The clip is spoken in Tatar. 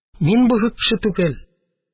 Мин бозык кеше түгел.